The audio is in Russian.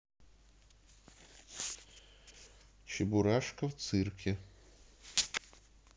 чебурашка в цирке